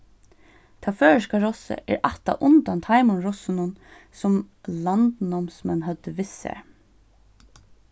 tað føroyska rossið er ættað undan teimum rossunum sum landnámsmenn høvdu við sær